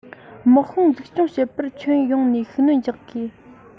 དམག དཔུང འཛུགས སྐྱོང བྱེད པར ཁྱོན ཡོངས ནས ཤུགས སྣོན རྒྱག དགོས